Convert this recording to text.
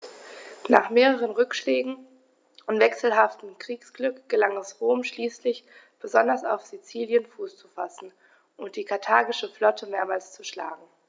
Nach mehreren Rückschlägen und wechselhaftem Kriegsglück gelang es Rom schließlich, besonders auf Sizilien Fuß zu fassen und die karthagische Flotte mehrmals zu schlagen.